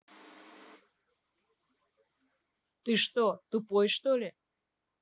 что ты тупой что ли